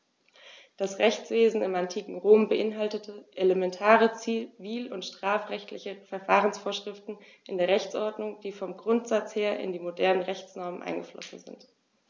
Das Rechtswesen im antiken Rom beinhaltete elementare zivil- und strafrechtliche Verfahrensvorschriften in der Rechtsordnung, die vom Grundsatz her in die modernen Rechtsnormen eingeflossen sind.